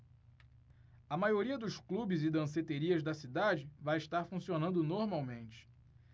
a maioria dos clubes e danceterias da cidade vai estar funcionando normalmente